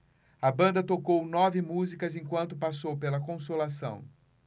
a banda tocou nove músicas enquanto passou pela consolação